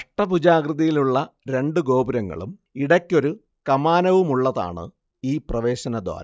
അഷ്ടഭുജാകൃതിയിലുള്ള രണ്ടു ഗോപുരങ്ങളും ഇടയ്ക്കൊരു കമാനവുമുള്ളതാണ് ഈ പ്രവേശനദ്വാരം